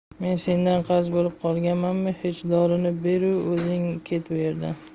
men sendan qarz bo'lib qolganmanmi hech dorini beru o'zing ket bu yerdan